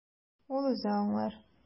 Ул үзе аңлар.